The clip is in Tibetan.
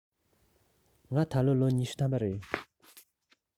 ང ད ལོ ལོ ཉི ཤུ ཐམ པ རེད